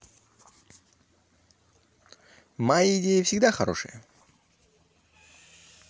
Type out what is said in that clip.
мои идеи всегда хорошие